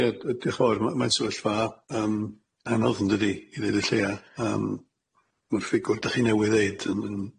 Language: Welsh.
Ie yy diolch yn fawr ma' ma'n sefyllfa yym anodd yn dydi i ddeud y lleia yym ma'r ffigwr dach chi newydd ddeud yn yn